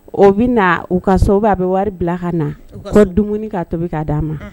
O bɛ na u ka so a bɛ wari bila ka na tɔ dumuni ka tobi k' d di'a ma